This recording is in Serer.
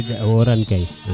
a woran kay